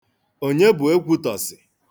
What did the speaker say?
Onye bụ Ekwutọsị?